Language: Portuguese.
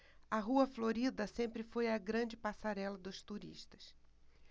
a rua florida sempre foi a grande passarela dos turistas